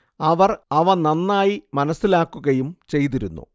അവർ അവ നന്നായി മനസ്സിലാക്കുകയും ചെയ്തിരുന്നു